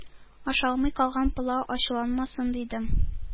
Ашалмый калган пылау ачуланмасын, дидем.